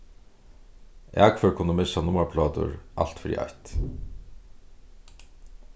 akfør kunnu missa nummarplátur alt fyri eitt